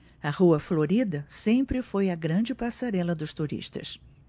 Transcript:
a rua florida sempre foi a grande passarela dos turistas